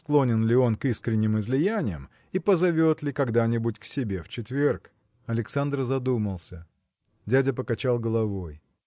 склонен ли он к искренним излияниям и позовет ли когда-нибудь к себе в четверг. Александр задумался. Дядя покачал головой.